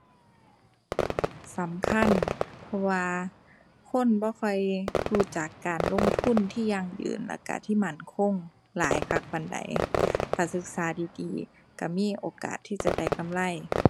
สำคัญ เพราะว่าคนบ่ค่อยรู้จักการลงทุนที่ยั่งยืนแล้วก็ที่มั่นคงหลายคักปานใด ถ้าศึกษาดีดี ก็มีโอกาสที่จะได้กำไร